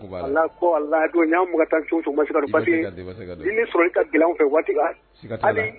Ala ko ala ma taa c ka ba i sɔrɔ i ka dila fɛ waati